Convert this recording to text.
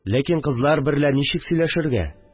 Ләкин кызлар берлә ничек сөйләшергә